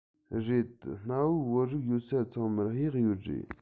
རེད གནའ བོའི བོད རིགས ཡོད ས ཚང མར གཡག ཡོད རེད